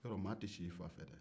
i y'a dɔn maa tɛ s'i fa fɛ dɛ